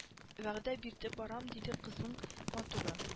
Вәгъдә бирде барам диде кызның матуры